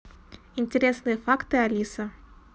интересные факты алиса